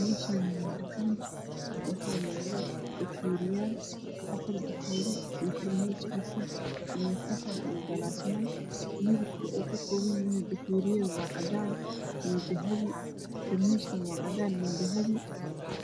Meshaane waa dukaan waxaa yala pakeeriyaal afar pakeri iyo pariiskiisa iyo saxan iyo gaasman midapaka pakeeriyada waa cadaan iyo dahapi tarmuuskana waa cadaan iyo dahapi